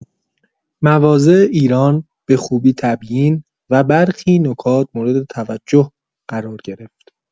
مواضع ایران به خوبی تبیین و برخی نکات مورد توجه قرار گرفت.